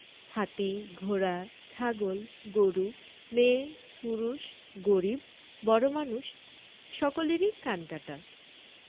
হাতি ঘোড়া ছাগল গরু মেয়ে পুরুষ গরিব বড়োমানুয সকলেরই কান কাটা